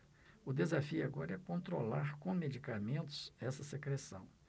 o desafio agora é controlar com medicamentos essa secreção